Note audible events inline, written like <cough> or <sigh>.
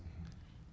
<hesitation> <hesitation>